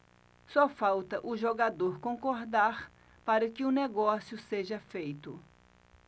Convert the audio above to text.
só falta o jogador concordar para que o negócio seja feito